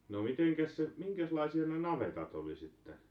no mitenkäs se minkäslaisia ne navetat oli sitten